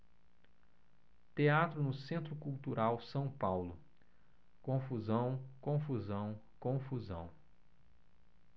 teatro no centro cultural são paulo confusão confusão confusão